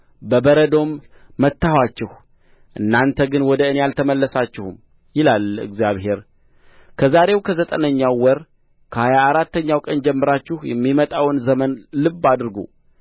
በበረዶም መታኋችሁ እናንተ ግን ወደ እኔ አልተመለሳችሁም ይላል እግዚአብሔር ከዛሬው ከዘጠነኛው ወር ከሀያ አራተኛው ቀን ጀምራችሁ የሚመጣውን ዘመን ልብ አድርጉ